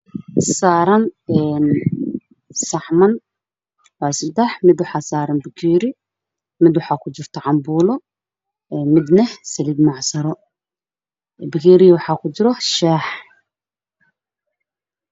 Waa seddex saxaman waxaa saaran mid waxaa saaran bakeeri midn cambuulo, midna saliid macsaro, bakeeriga waxaa kujiro shaax.